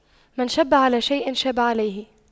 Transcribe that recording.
من شَبَّ على شيء شاب عليه